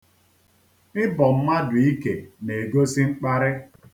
Ịbọ mmadụ ike na-egosi mkparị.